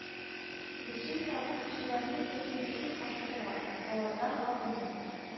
Лешен табу кешеләрнең тәҗрибәсен арттыра, алардан арыну